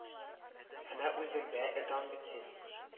Әнә үзең дә эт ан бит син